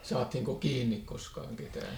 saatiinko kiinni koskaan ketään